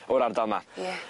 O'r ardal 'ma. Ie.